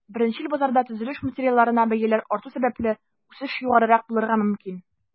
Беренчел базарда, төзелеш материалларына бәяләр арту сәбәпле, үсеш югарырак булырга мөмкин.